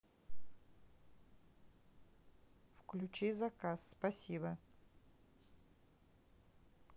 включи заказ спасибо